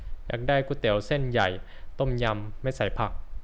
อยากได้ก๋วยเตี๋ยวเส้นใหญ่ต้มยำไม่ใส่ผัก